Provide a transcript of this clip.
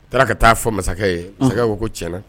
A taara ka taa fɔ masakɛ ye masakɛ ko ko tiyɛn na